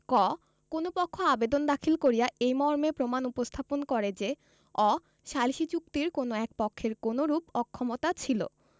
ক কোন পক্ষ আবেদন দাখিল করিয়া এই মর্মে প্রমাণ উপস্থাপন করে যে অ সালিসী চুক্তির কোন এক পক্ষের কোনরূপ অক্ষমতা ছিল